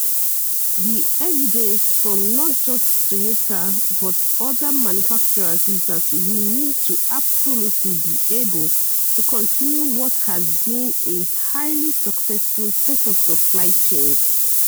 "The evidence from not just Toyota but other manufacturers is that we need to absolutely be able to continue what has been a highly successful set of supply chains."